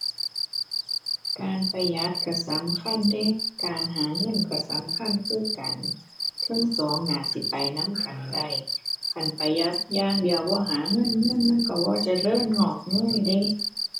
การประหยัดก็สำคัญเดะ การหาเงินก็สำคัญคือกัน เทิงสองน่าสิไปนำกันได้ คันประหยัดอย่างเดียวบ่หาเงิน เงินมันก็บ่เจริญงอกเงยเดะ